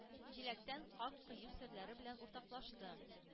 Җиләктән как кою серләре белән уртаклашты.